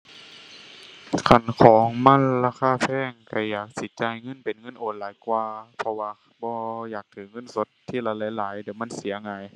คันของมันราคาแพงก็อยากสิจ่ายเงินเป็นเงินโอนหลายกว่า เพราะว่าบ่อยากถือเงินสดทีละหลายหลาย เดี๋ยวมันเสียหาย